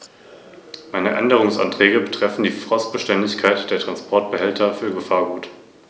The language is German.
Deshalb müssen wir für die Schaffung eines einheitlichen Patentschutzes mehr tun.